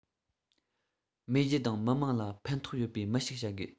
མེས རྒྱལ དང མི དམངས ལ ཕན ཐོགས ཡོད པའི མི ཞིག བྱ དགོས